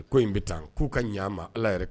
Ko in bɛ taa k'u ka ɲa'n ma allah yɛrɛ de kama